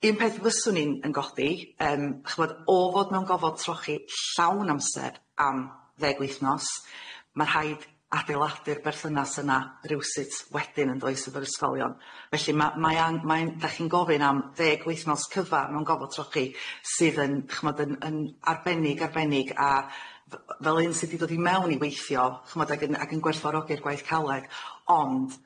Un peth fyswn i'n yn godi yym ch'bod o fod mewn gofod trochi llawn amser am ddeg wythnos ma' rhaid adeiladu'r berthynas yna rywsut wedyn yn does efo'r ysgolion, felly ma' mae an- mae'n 'dach chi'n gofyn am ddeg wythnos cyfa' mewn gofod trochi sydd yn ch'bod yn yn arbennig arbennig a f- f- fel un sydd 'di dod i mewn i weithio ch'bod ag yn ag yn gwerthfawrogi'r gwaith caled ond